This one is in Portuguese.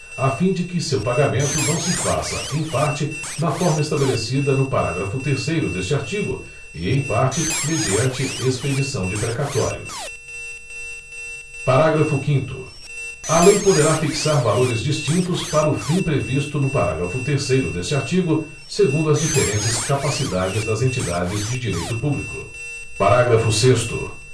a fim de que seu pagamento não se faça em parte na forma estabelecida no parágrafo terceiro deste artigo e em parte mediante expedição de precatório parágrafo quinto a lei poderá fixar valores distintos para o fim previsto no parágrafo terceiro deste artigo segundo as diferentes capacidades das entidades de direito público parágrafo sexto